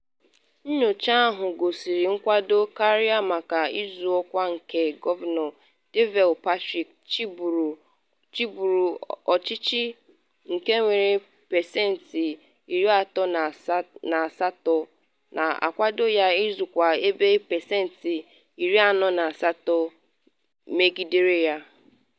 Nyocha ahụ gosiri nkwado karịa maka ịzọ ọkwa nke Governor Deval Patrick chịburu ọchịchị, nke nwere pesentị 38 na-akwado ya ịzọ ọkwa ebe pesentị 48 megidere ya.